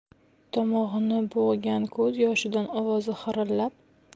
tomog'ini bo'g'gan ko'z yoshidan ovozi hirillab